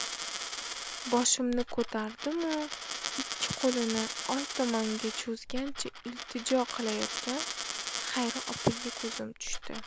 boshimni ko'tardimu ikki qo'lini oy tomonga cho'zgancha iltijo qilayotgan xayri opaga ko'zim tushdi